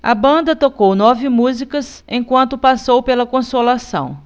a banda tocou nove músicas enquanto passou pela consolação